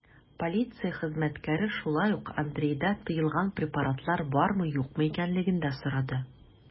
Полиция хезмәткәре шулай ук Андрейда тыелган препаратлар бармы-юкмы икәнлеген дә сорады.